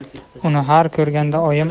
uni har ko'rganda oyim